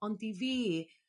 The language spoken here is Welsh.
ond i fi